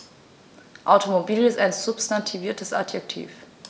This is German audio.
Automobil ist ein substantiviertes Adjektiv.